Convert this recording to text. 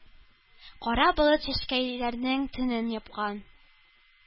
Кара болыт чәчкәйләре тәнен япкан;